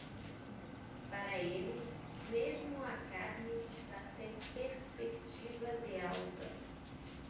para ele mesmo a carne está sem perspectiva de alta